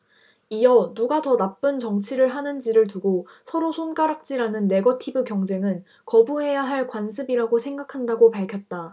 이어 누가 더 나쁜 정치를 하는 지를 두고 서로 손가락질 하는 네거티브 경쟁은 거부해야 할 관습이라고 생각한다고 밝혔다